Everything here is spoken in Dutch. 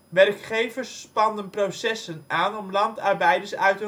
Werkgevers spanden processen aan om landarbeiders uit